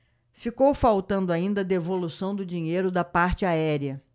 ficou faltando ainda a devolução do dinheiro da parte aérea